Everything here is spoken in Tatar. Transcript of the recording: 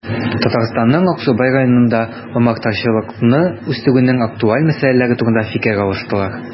Татарстанның Аксубай районында умартачылыкны үстерүнең актуаль мәсьәләләре турында фикер алыштылар